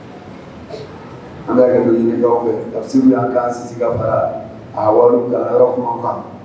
An bɛ hakɛto ɲini k'aw fɛ ka